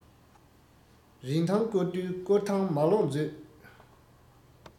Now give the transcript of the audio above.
རིན ཐང སྐོར དུས སྐོར ཐང མ ལོག མཛོད